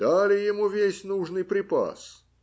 Дали ему весь нужный припас